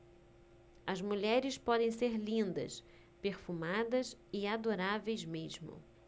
as mulheres podem ser lindas perfumadas e adoráveis mesmo